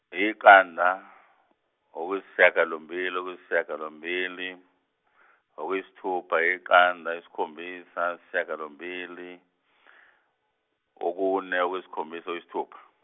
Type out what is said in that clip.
iqanda, okuyishagalombili okuyisishagalombili, okuyisithupha yiqanda yisikhombisa isishagalombili, okune okuyisikhombisa okuyisithupha.